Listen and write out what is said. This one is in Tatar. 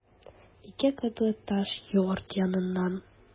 Ике катлы таш йорт яныннан...